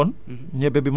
fi dugub bi nekkoon